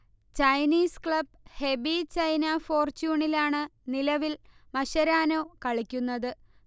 Chinese club Hebei China ഫോർച്യുണിലാണ് നിലവിൽ Mascherano കളിക്കുന്നത്